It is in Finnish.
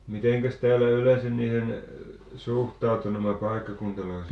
mitenkäs täällä yleensä niihin suhtautui nämä paikkakuntalaiset